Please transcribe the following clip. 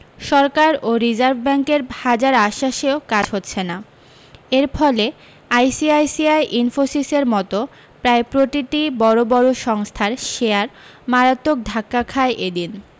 সরকার ও রিজার্ভ ব্যাঙ্কের হাজার আশ্বাসেও কাজ হচ্ছে না এর ফলে আইসিআইসিআই ইনফোসিসের মতো প্রায় প্রতিটি বড় বড় সংস্থার শেয়ার মারাত্মক ধাক্কা খায় এদিন